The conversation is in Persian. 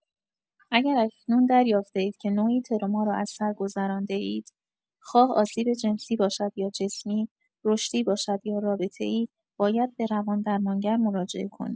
اگر اکنون دریافته‌اید که نوعی تروما را از سر گذرانده‌اید، خواه آسیب جنسی باشد یا جسمی، رشدی باشد یا رابطه‌ای، باید به روان‌درمانگر مراجعه کنید.